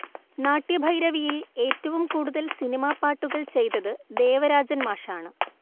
നാട്യഭൈരവിയിൽ ഏറ്റവും കൂടുതൽ സിനിമാ പാട്ടുകൾ ചെയ്തത് ദേവരാജൻ മാഷാണ്